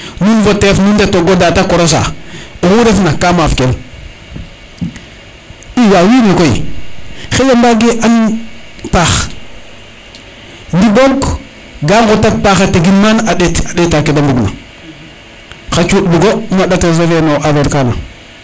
nuun fo teef nu ndet ngoda te korosa oxu refna ka maaf kel i wa wiin we koy xaƴa mbage an paax ndi boog ga ngotat paax a tegin mana a ndeet a ndeta kede bung na xa cuuɗ bugo mi a ndates refe na affaire kaga